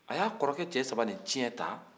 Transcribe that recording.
a y'a kɔrɔkɛ cɛ saba nin cɛn ta